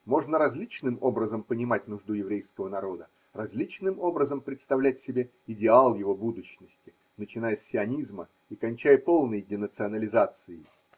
Можно различным образом понимать нужду еврейского народа, различным образом представлять себе идеал его будущности, начиная с сионизма и кончая полной денационализацией